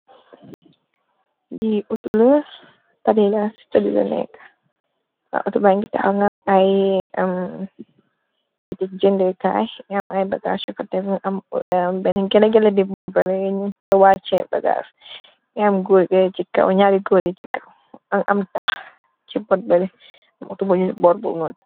di utula talila stadila neek atu bangi taxw ngam ay am bitik jëndekaay ngam ay bagaas chofatek benn gena gela di botbari ñu k wacce bagaas ngam gurge ci kaw ñaari gór yi ci kaw mungi am tax ci botbari m utu buñu borbu nonte